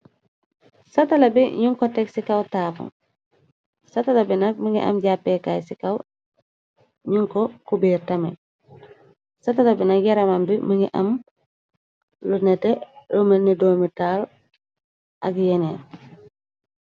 Satala bi ñu ko teg ci kaw taabal. Satala bina mi ngi am jàppeekaay ci kaw ñu ko kubeer tame. Satala bina yaramam bi mi ngi am lu nete romeni domital ak yenee.